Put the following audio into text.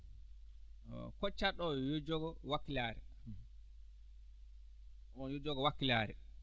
no koccanɗo o yo jogo wakkilaare oon yo jogo wakkilaare